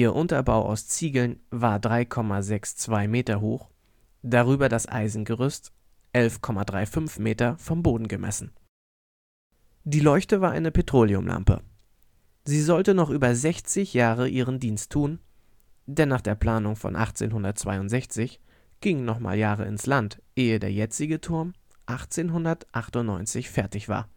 Unterbau aus Ziegeln war 3,62 Meter hoch, darüber das Eisengerüst 11,35 Meter vom Boden gemessen. Die Leuchte war eine Petroleumlampe. Sie sollte noch über 60 Jahre ihren Dienst tuen, denn nach der Planung von 1862 gingen noch mal Jahre ins Land, ehe der jetzige Turm 1898 fertig war